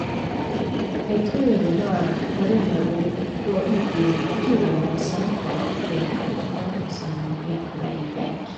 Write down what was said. Jeg tror det det der med å gå ut i naturen og sanke er noe som er på vei vekk.